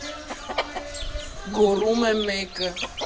Գոռում է մեկը։